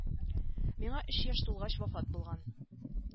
Миңа өч яшь тулгач вафат булган